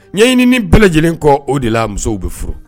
Ɲɛɲɲiniini bɛɛ lajɛlen kɔ o de la musow bɛ furu